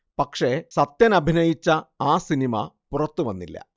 പക്ഷേ സത്യനഭിനയിച്ച ആ സിനിമ പുറത്തുവന്നില്ല